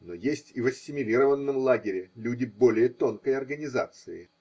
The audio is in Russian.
Но есть и в ассимилированном лагере люди более тонкой организации.